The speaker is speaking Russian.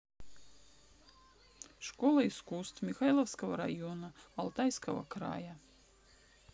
школа искусств михайловского района алтайского края